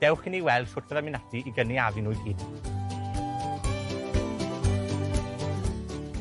Dewch i ni weld shwt fyddai'n mynd ati i gynaeafu nw i gyd.